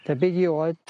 tebyg i oed